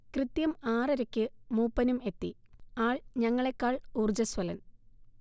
കൃത്യം ആറരക്ക് മൂപ്പനും എത്തി, ആൾ ഞങ്ങളേക്കാൾ ഊർജ്ജസ്വലൻ